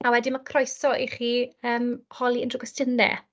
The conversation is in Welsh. A wedyn ma' croeso i chi, yym, holi unryw gwestiynnau.